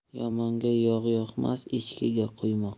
yomonga yog' yoqmas echkiga quymoq